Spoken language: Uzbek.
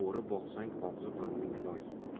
bo'ri boqsang og'zi burning loy